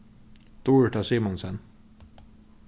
durita simonsen